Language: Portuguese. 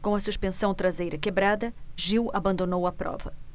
com a suspensão traseira quebrada gil abandonou a prova